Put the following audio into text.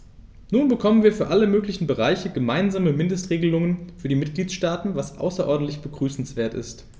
Nun bekommen wir für alle möglichen Bereiche gemeinsame Mindestregelungen für die Mitgliedstaaten, was außerordentlich begrüßenswert ist.